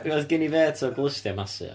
Oedd gan ei fêt o glustiau massive.